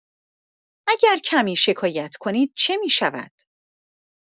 اگر کمی شکایت کنید، چه می‌شود؟